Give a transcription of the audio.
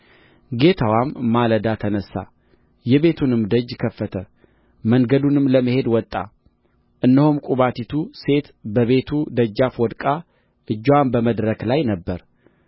ጌታዋም ማለዳ ተነሣ የቤቱንም ደጅ ከፈተ መንገዱንም ለመሄድ ወጣ እነሆም ቁባቲቱ ሴት በቤቱ ደጃፍ ወድቃ እጅዋም በመድረክ ላይ ነበረ እርሱም